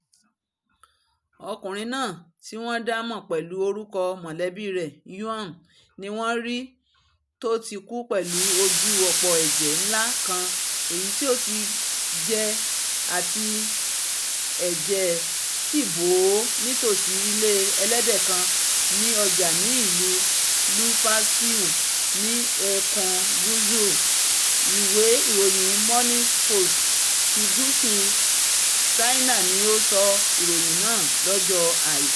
Ọkùnrin náà, tí wọ́n dá mọ̀ pẹ̀lú orúkọ mọ̀lẹ́bí rẹ̀ ''Yuan,'' ni wọ́n rí tóti kù pẹ̀lú ojú-òpó ẹ̀jẹ̀ ńlá kan èyití ó ti gé, tí ẹ̀jẹ̀ sì bò ó nítòsì ilé ẹlẹ́dẹ̀ kan ní ọjà ní ìlú Liupanshui ní ẹkùn Guizhou, ìwé ìròyín Morning Post ti Gúúsù Ṣáínà ni o sọ íròyìn naa lọ́jọ́ Àìkú.